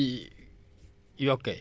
évaporation bi